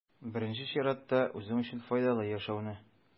Беренче чиратта, үзең өчен файдалы яшәүне.